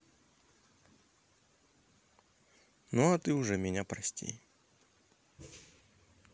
ну а ты уже меня прости